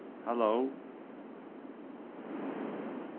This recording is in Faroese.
halló